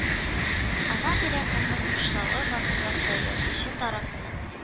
Ана белән улның хушлашу вакыйгасы язучы тарафын